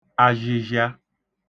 azịzịa